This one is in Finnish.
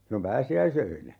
silloin pääsiäisöinä